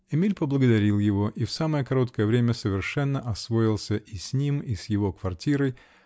Эмиль поблагодарил его -- и в самое короткое время совершенно освоился и с ним, -- и с его квартирой